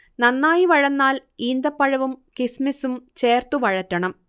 നന്നായി വഴന്നാൽ ഈന്തപ്പഴവും കിസ്മിസും ചേർത്തു വഴറ്റണം